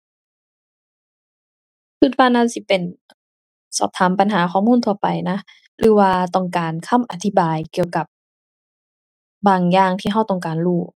คิดว่าน่าสิเป็นสอบถามปัญหาข้อมูลทั่วไปนะ หรือว่าต้องการคำอธิบายเกี่ยวกับ บางอย่างที่คิดต้องการรู้